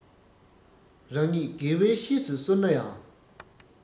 རང ཉིད དགེ བའི བཤེས སུ གསོལ ན ཡང